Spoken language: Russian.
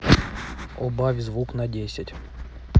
убавь звук на десять